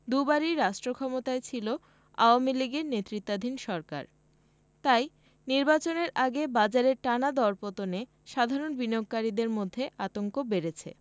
দুবারই রাষ্ট্রক্ষমতায় ছিল আওয়ামী লীগের নেতৃত্বাধীন সরকার তাই নির্বাচনের আগে বাজারের টানা দরপতনে সাধারণ বিনিয়োগকারীদের মধ্যে আতঙ্ক বেড়েছে